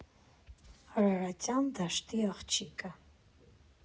Արարատյան դաշտի աղջիկը։